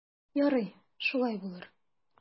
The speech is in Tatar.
Ярый, шулай булыр.